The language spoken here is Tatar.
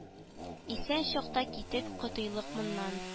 Исән чакта китеп котыйлык моннан